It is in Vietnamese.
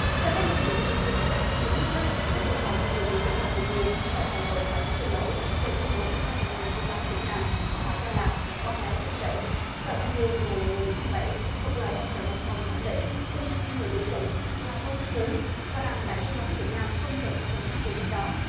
cho tới nay việt nam chưa hồi đáp chính thức trước yêu cầu của người biểu tình cam pu chia đòi hà nội phải xin lỗi về tuyên bố của phát ngôn nhân sứ quán việt nam mà họ cho là bóp méo lịch sử tờ thanh niên ngày mười tháng bảy thuận lợi ông trần văn thông khẳng định yêu sách của người biểu tình là vô căn cứ và rằng đại sứ quán việt nam không cần phải xem xét yêu sách đó